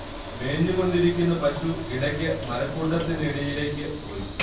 മേഞ്ഞുകൊണ്ടിരിക്കുന്ന പശു ഇടക്ക് മരക്കൂട്ടത്തിനിടയിലേക്ക് പോയി